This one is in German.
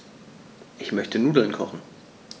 Ich möchte Nudeln kochen.